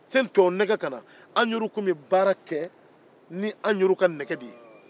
yanni tubabu nɛgɛ ka na an yɛrɛw tun bɛ baara kɛ ni anw yɛrɛw ka nɛgɛ de ye